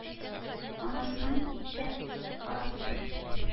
Анасының итәк арасына